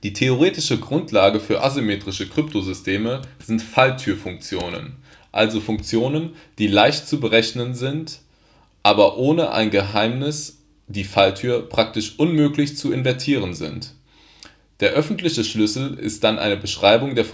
theoretische Grundlage für asymmetrische Kryptosysteme sind Falltürfunktionen, also Funktionen, die leicht zu berechnen, aber ohne ein Geheimnis (die „ Falltür “) praktisch unmöglich zu invertieren sind. Der öffentliche Schlüssel ist dann eine Beschreibung der